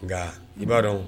Nka i b'a dɔn